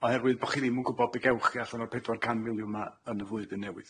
Oherwydd bo' chi ddim yn gwbod be gewch chi allan o'r pedwar can miliwn na' yn y flwyddyn newydd.